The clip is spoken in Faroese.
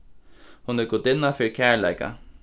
hon er gudinna fyri kærleika